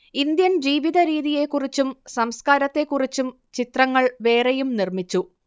Indian ജീവിതരീതിയെക്കുറിച്ചും സംസ്കാരത്തെക്കുറിച്ചും ചിത്രങ്ങൾ വേറെയും നിർമിച്ചു